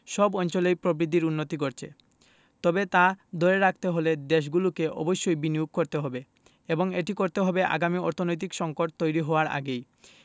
সব অঞ্চলেই প্রবৃদ্ধির উন্নতি ঘটছে তবে তা ধরে রাখতে হলে দেশগুলোকে অবশ্যই বিনিয়োগ করতে হবে এবং এটি করতে হবে আগামী অর্থনৈতিক সংকট তৈরি হওয়ার আগেই